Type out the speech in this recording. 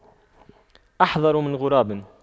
أحذر من غراب